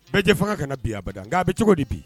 Bɛɛjɛfanga kana bin abada nka a bɛ cogo di bi?